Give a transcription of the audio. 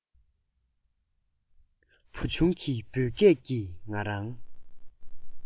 བུ ཆུང གི འབོད སྐད ཀྱིས ང རང